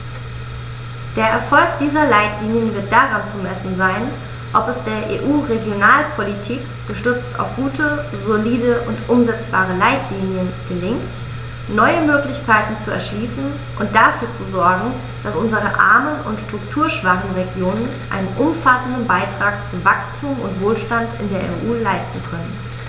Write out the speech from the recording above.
Der Erfolg dieser Leitlinien wird daran zu messen sein, ob es der EU-Regionalpolitik, gestützt auf gute, solide und umsetzbare Leitlinien, gelingt, neue Möglichkeiten zu erschließen und dafür zu sorgen, dass unsere armen und strukturschwachen Regionen einen umfassenden Beitrag zu Wachstum und Wohlstand in der EU leisten können.